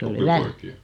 oppipoikia